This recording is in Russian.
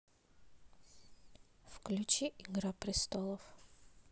включи игра престолов